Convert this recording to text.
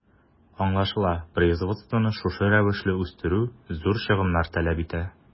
Аңлашыла, производствоны шушы рәвешле үстерү зур чыгымнар таләп итә.